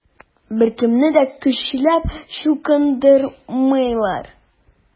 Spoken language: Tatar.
Беркемне дә көчләп чукындырмыйлар.